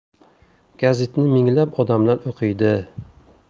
gazitni minglab odamlar o'qiydi